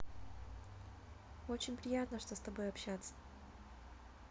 очень приятно что с тобой общаться